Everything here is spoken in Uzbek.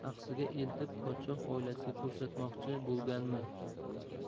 tushirsa axsiga eltib podshoh oilasiga ko'rsatmoqchi bo'lganmi